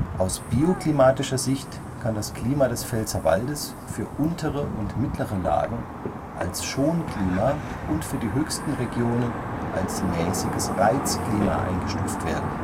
Aus bioklimatischer Sicht kann das Klima des Pfälzerwaldes für untere und mittlere Lagen als Schonklima und für die höchsten Regionen als mäßiges Reizklima eingestuft werden